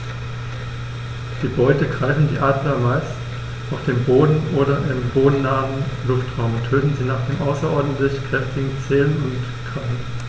Die Beute greifen die Adler meist auf dem Boden oder im bodennahen Luftraum und töten sie mit den außerordentlich kräftigen Zehen und Krallen.